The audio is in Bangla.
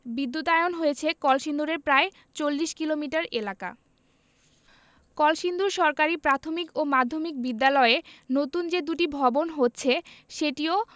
বিদ্যুতায়ন হয়েছে কলসিন্দুরের প্রায় ৪০ কিলোমিটার এলাকা কলসিন্দুর সরকারি প্রাথমিক ও মাধ্যমিক বিদ্যালয়ে নতুন যে দুটি ভবন হচ্ছে সেটিও